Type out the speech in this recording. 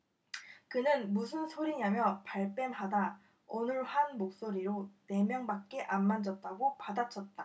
그는 무슨 소리냐며 발뺌하다 어눌한 목소리로 네 명밖에 안 만졌다고 받아쳤다